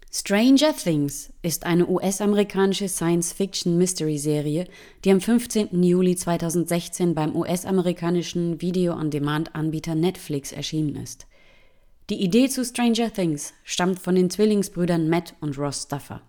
Stranger Things ist eine US-amerikanische Science-Fiction-Mysteryserie, die am 15. Juli 2016 beim US-amerikanischen Video-on-Demand-Anbieter Netflix erschienen ist. Die Idee zu Stranger Things stammt von den Zwillingsbrüdern Matt und Ross Duffer